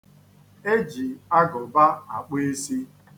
E ji agụba akpụ isi.